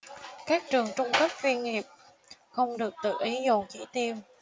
các trường trung cấp chuyên nghiệp không được tự ý dồn chỉ tiêu